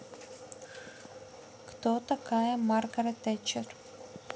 кто такая маргарет тэтчер